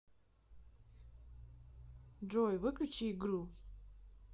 джой выключи игру